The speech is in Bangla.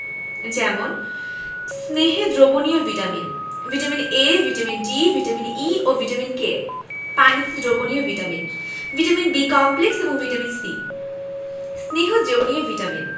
যেমন স্নেহে দ্রবণীয় vitamin vitamin A vitamin D vitamin E ও ভিটামিন K পানিতে দ্রবণীয় ভিটামিন ভিটামিন B কমপ্লেক্স এবং ভিটামিন C স্নেহে দ্রবণীয় ভিটামিন